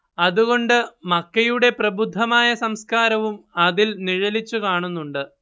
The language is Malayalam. അത് കൊണ്ട് മക്കയുടെ പ്രബുദ്ധമായ സംസ്കാരവും അതിൽ നിഴലിച്ചു കാണുന്നുണ്ട്